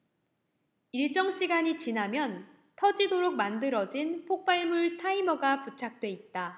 일정 시간이 지나면 터지도록 만들어진 폭발물 타이머가 부착돼 있다